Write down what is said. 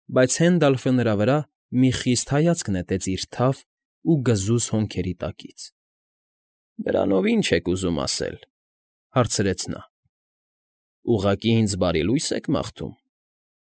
Բայց Հենդալֆը նրա վրա մի խիստ հայացք նետեց իր թավ ու գզուզ հոնքերի տակից։ ֊ Դրանով ի՞նչ եք ուզում ասել, ֊ հարցրեց նա։ ֊ Ուղղակի ինձ բարի լո՞ւյս եք մաղթում։